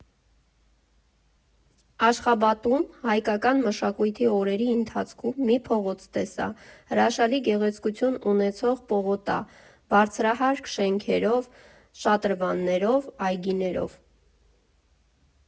Աշխաբադում, հայկական մշակույթի օրերի ընթացքում, մի փողոց տեսա՝ հրաշալի գեղեցկություն ունեցող պողոտա՝ բարձրահարկ շենքերով, շատրվաններով, այգիներով։